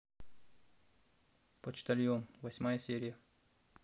почтальон восьмая серия